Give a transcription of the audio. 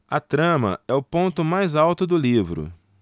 a trama é o ponto mais alto do livro